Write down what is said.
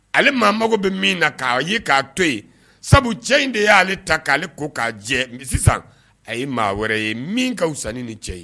Ale maa mago bɛ min na k'a ye k'a to yen sabu cɛ in de y'ale ta k'ale ko k'a jɛ sisan a ye maa wɛrɛ ye min kasan ni ni cɛ ye